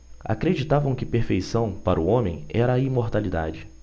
acreditavam que perfeição para o homem era a imortalidade